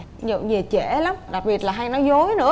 nhậu về trễ lắm đặc biệt là hay nói dối nữa